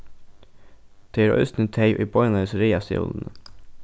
tað eru eisini tey ið beinleiðis ræðast jólini